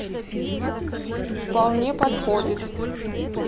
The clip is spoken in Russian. вполне подходит